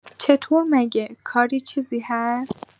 چطور مگه، کاری چیزی هست؟